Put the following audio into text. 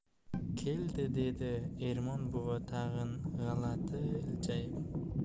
keldi dedi ermon buva tag'in g'alati iljayib